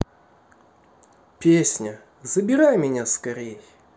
песня забирай меня скорей